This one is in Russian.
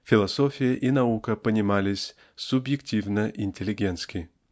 Философия и наука понимались субъективно-интеллигентски.